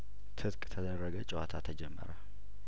ትጥቅ ተደረገ ጨዋታ ተጀመረ